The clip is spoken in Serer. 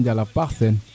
njokonjal a paax Sene